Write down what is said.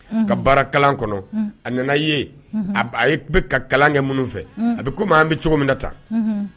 Ka baara kalan kɔnɔ Unhun a nana ye a ye ka kalan kɛ minnu fɛ a bi komi an bi cogo min na tan